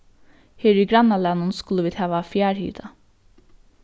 her í grannalagnum skulu vit hava fjarhita